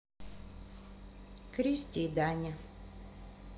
кристи и даня